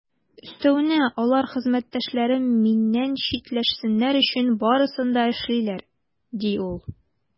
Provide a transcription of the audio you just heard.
Өстәвенә, алар хезмәттәшләрем миннән читләшсеннәр өчен барысын да эшлиләр, - ди ул.